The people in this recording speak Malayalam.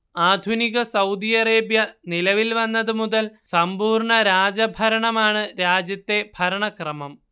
ആധുനിക സൗദി അറേബ്യ നിലവിൽ വന്നത് മുതൽ സമ്പൂർണ രാജഭരണമാണ് രാജ്യത്തെ ഭരണക്രമം